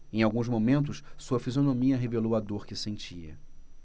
em alguns momentos sua fisionomia revelou a dor que sentia